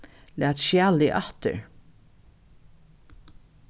lat skjalið aftur